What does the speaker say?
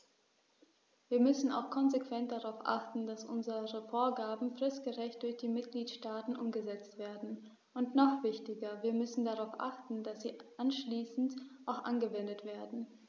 Wir müssen auch konsequent darauf achten, dass unsere Vorgaben fristgerecht durch die Mitgliedstaaten umgesetzt werden, und noch wichtiger, wir müssen darauf achten, dass sie anschließend auch angewendet werden.